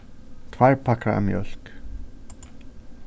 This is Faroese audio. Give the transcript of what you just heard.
tveir pakkar av mjólk